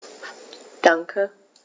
Danke.